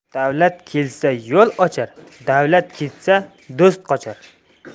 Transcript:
davlat kelsa yo'l ochar davlat ketsa do'st qochar